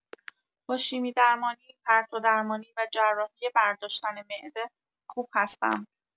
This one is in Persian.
با شیمی‌درمانی، پرتودرمانی، و جراحی برداشتن معده، خوب هستم.